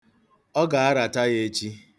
Ọ ga-arata ya echi.